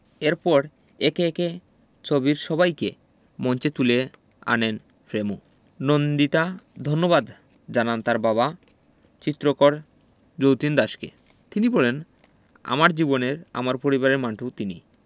এরপর একে একে ছবির সবাইকে মঞ্চে তুলে আনেন ফ্রেমো নন্দিতা ধন্যবাদ জানান তার বাবা চিত্রকর যতীন দাসকে তিনি বলেন আমার জীবনের আমার পরিবারের মান্টো তিনি